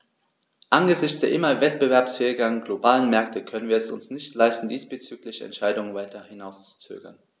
Angesichts der immer wettbewerbsfähigeren globalen Märkte können wir es uns nicht leisten, diesbezügliche Entscheidungen weiter hinauszuzögern.